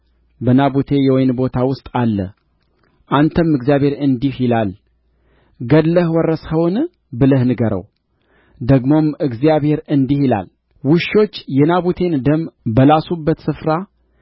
በናቡቴ የወይን ቦታ ውስጥ አለ አንተም እግዚአብሔር እንዲህ ይላል ገድለህ ወረስኸውን ብለህ ንገረው ደግሞም እግዚአብሔር እንዲህ ይላል ውሾች የናቡቴን ደም በላሱበት ስፍራ